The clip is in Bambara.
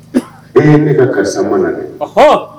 E ne bɛ karisa mana na dɛɔ